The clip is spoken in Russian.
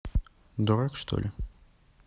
дурак что ли